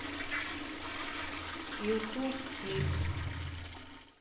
ютуб кидс